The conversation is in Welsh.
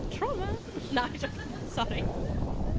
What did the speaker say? Trauma! Na, fi’n jocan. Sori.